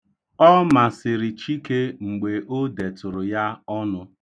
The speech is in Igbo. Ọ na-amasị Chike iri nri.